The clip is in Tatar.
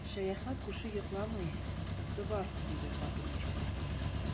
Шәяхмәт күрше йокламый, уты бар, диде хатын, чиксез сөенеп.